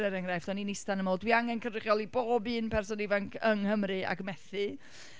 er enghraifft. O'n i'n ista yna’n meddwl "dwi angen cynrychioli bob un person ifanc yng Nghymru ac methu."